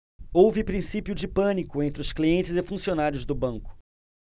houve princípio de pânico entre os clientes e funcionários do banco